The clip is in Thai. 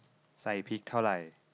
ใส่พริกเท่าไร